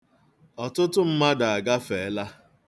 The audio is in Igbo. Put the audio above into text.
Ọtụtụ mmadụ agafeela.